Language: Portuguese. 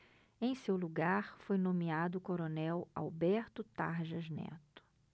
em seu lugar foi nomeado o coronel alberto tarjas neto